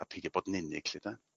A peidio bod yn unig 'lly 'da.